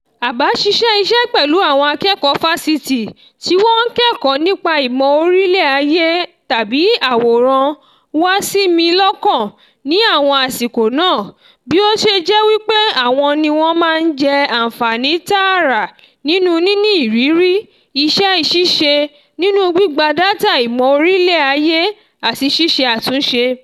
Àbá ṣíṣe iṣẹ́ pẹ̀lú àwọn akẹ́kọ̀ọ́ Fásitì, tí wọ́n ń kẹ́kọ̀ọ́ nípa ìmọ̀ orílẹ̀ ayé/àwòrán wá sí mi lọ́kàn ní àwọn àsìkò náà, bí ó ṣe jẹ́ wí pé àwọn ni wọ́n máa jẹ àǹfààní tààrà nínú níní ìrírí iṣẹ́ ṣíṣe nínú gbígba dátà ìmọ̀ orílẹ̀ ayé àti ṣíṣe àtúnṣe